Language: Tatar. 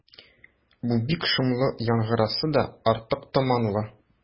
Бу бик шомлы яңгыраса да, артык томанлы.